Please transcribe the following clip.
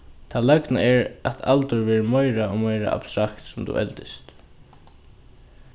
tað løgna er at aldur verður meira og meira abstrakt sum tú eldist